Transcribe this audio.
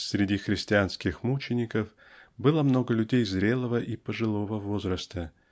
среди христианских мучеников было много людей зрелого и пожилого возраста